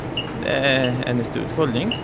Det er eneste utfordring.